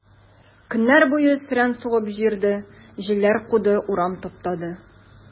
Көннәр буе сөрән сугып йөрде, җилләр куды, урам таптады.